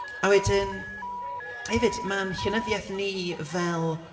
A wedyn hefyd mae'n llenyddiaith ni fel...